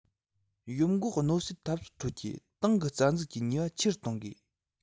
ཡོམ འགོག གནོད སེལ འཐབ རྩོད ཁྲོད ཀྱི ཏང གི རྩ འཛུགས ཀྱི ནུས པ ཆེ རུ གཏོང དགོས